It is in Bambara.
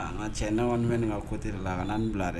Ka cɛ ne kɔni bɛ nin ka kote la a ka ni bilare